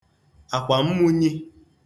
àkwà mmunyi